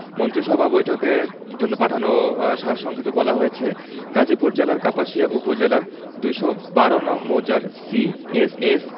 মন্ত্রিসভা বৈঠকের জন্য পাঠানো সার সংক্ষেপে বলা হয়েছে গাজীপুর জেলার কাপাসিয়া উপজেলার ২১২ নং মৌজার সি এস এস